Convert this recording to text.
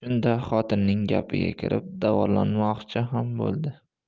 shunda xotinining gapiga kirib davolanmoqchi ham bo'ldi